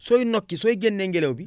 sooy nokki sooy génne ngelaw bi